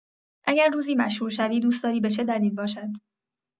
اگر روزی مشهور شوی دوست‌داری به چه دلیل باشد؟